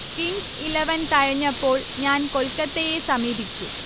Kings Eleven തഴഞ്ഞപ്പോൾ ഞാൻ കൊൽക്കത്തയെ സമീപിച്ചു